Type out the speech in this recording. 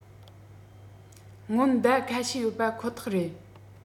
སྔོན བརྡ ཁ ཤས ཡོད པ ཁོ ཐག རེད